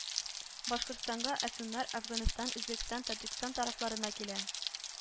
Башкортстанга әфьюннәр Әфганстан, Үзбәкстан, Таҗикстан тарафларыннан килә